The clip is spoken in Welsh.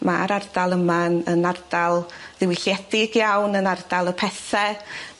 Ma'r ardal yma'n yn ardal ddiwylliedig iawn yn ardal y pethe.